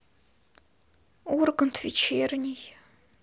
ургант вечерний